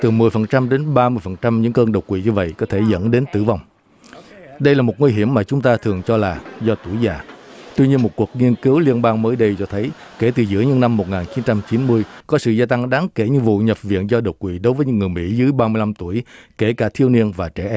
từ mười phần trăm đến ba mươi phần trăm những cơn đột quỵ như vậy có thể dẫn đến tử vong đây là một nguy hiểm mà chúng ta thường cho là do tuổi già tôi như một cuộc nghiên cứu liên bang mới đây cho thấy kể từ giữa những năm một nghìn chín trăm chín mươi có sự gia tăng đáng kể như vụ nhập viện do đột quỵ đối với những người mỹ dưới ba mươi lăm tuổi kể cả thiếu niên và trẻ em